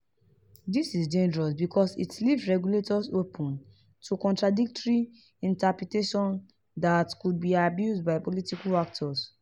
This is dangerous because it leaves regulators open to contradictory interpretations that could be abused by political actors.